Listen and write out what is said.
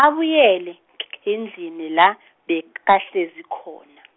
abuyele, ngendlini la, bekahlezi khona.